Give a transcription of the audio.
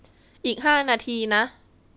อีกห้านาทีนะ